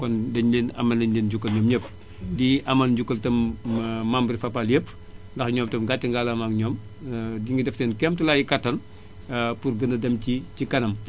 kon dañu leen amal nañu leen njukkal ñoom ñépp di amal njukkal itam membres Fapal yépp ndax ñoom itam gàcce ngaalaamaag ñoom ñu ngi def seen kéem tolluwaay kàttan pour gëna dem ci ci kanam